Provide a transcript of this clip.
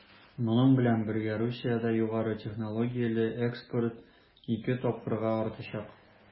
Моның белән бергә Русиядә югары технологияле экспорт 2 тапкырга артачак.